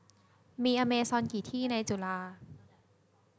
มีอเมซอนกี่ที่ในจุฬา